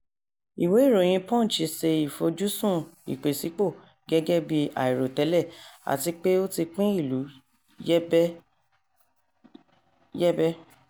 Ìwé ìròyìn Punch ṣe ìfojúsùn "ìpèsípò" gẹ́gẹ́ bí "àìròtẹ́lẹ̀ " àti pé ó ti pín ìlú yẹ́bẹyẹ̀bẹ.